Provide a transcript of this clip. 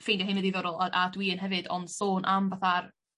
ffeindio hyn yn ddiddorol o- a dwi yn hefyd ond sôn am fatha'r